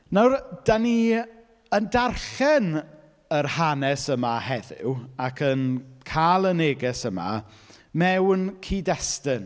Nawr, dan ni yn darllen yr hanes yma heddiw, ac yn cael y neges yma, mewn cyd-destun.